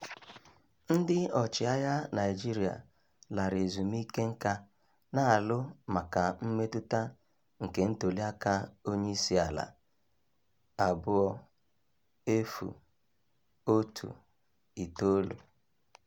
Ndị ọchịagha Naịjirịa lara ezumike nka na-alụ maka mmetụta nke ntụliaka onyeisiala 2019